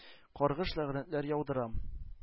Каргыш-ләгънәтләр яудырам.